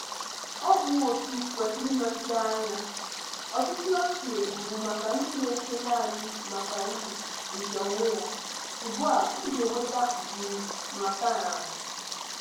Ọ bụ òtù kwesịrị nnọchiteanya. Ọchịchị ochie bụbu maka ndị na-eche naanị maka uru nke onwe ya. Ugbua m ga-eweta ụkpụrụ nhatanha.